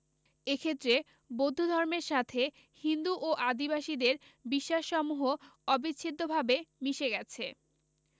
এক্ষেত্রে বৌদ্ধধমের্র সাথে হিন্দু ও আদিবাসীদের বিশ্বাসসমূহ অবিচ্ছেদ্যভাবে মিশে গেছে